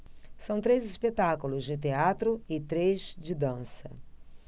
serão três espetáculos de teatro e três de dança